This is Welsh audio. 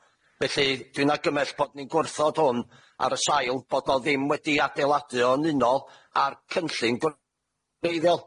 Felly dwi'n argymell bod ni'n gwrthod hwn ar y sail bod o ddim wedi adeiladu o yn unol â'r cynllun gwreiddiol.